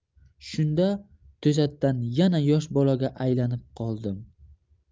shunda to'satdan yana yosh bolaga aylanib qoldim